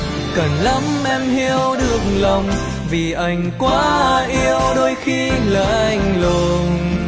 cần lắm em hiểu được lòng vì anh quá yêu đôi khi lạnh lùng